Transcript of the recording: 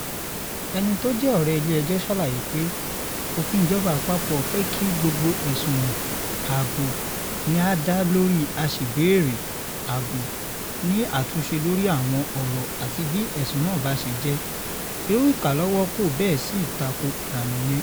Ẹni tó jẹ́ Ọ̀rẹ́ ilé ẹjọ́ ṣàlàyé pé "Òfin ìjọba àpapọ̀ fẹ́ kí gbogbo ẹ̀sùn ààbò ni a dá lórí aṣèbéèrè àbò ní àtúnṣe lóri àwọn ọ̀rọ̀ àti bí ẹ̀sùn náà bá ṣe jẹ́, irú ìkálọ́wọ́kò bẹ́ẹ̀ sì tako ìlànà yẹn"